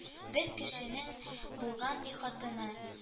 Бер кешенең булган, ди, хатыны